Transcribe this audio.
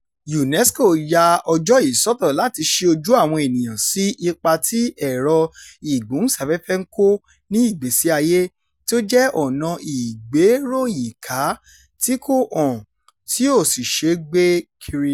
UNESCO yà ọjọ́ yìí sọ́tọ̀ láti ṣí ojú àwọn ènìyàn sí ipa tí ẹ̀rọ-ìgbóhùnsáfẹ́fẹ́ ń kó ní ìgbésí ayé — tí ó jẹ́ ọ̀nà ìgbéròyìnká tí kò hàn, tí ó sì ṣe é gbé kiri.